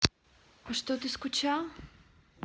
а что ты скучал